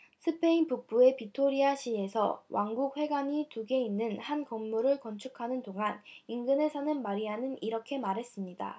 스페인 북부의 비토리아 시에서 왕국회관이 두 개 있는 한 건물을 건축하는 동안 인근에 사는 마리안은 이렇게 말했습니다